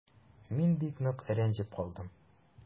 Мин бик нык рәнҗеп калдым.